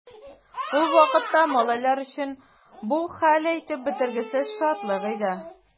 Ул вакытта малайлар өчен бу хәл әйтеп бетергесез шатлык иде.